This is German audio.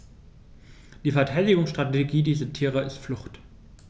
Die Verteidigungsstrategie dieser Tiere ist Flucht.